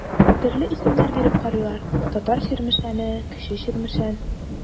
Төрле исемнәр биреп карыйлар: Татар Чирмешәне, Кече Чирмешән.